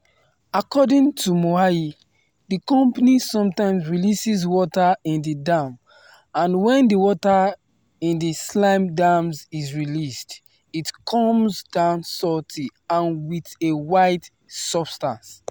According to Moahi, the company sometimes releases water in the dam, and when the water in the slime dams is released, it comes down salty and with a white substance.